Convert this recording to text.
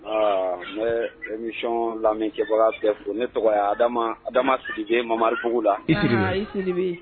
Aa ne ne nisɔn nisɔn lamcɛ bɔra tɛ fo ne tɔgɔ damasigi mamaribugu la i isiribi